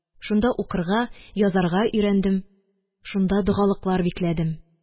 Шунда укырга, язарга өйрәндем, шунда догалыклар бикләдем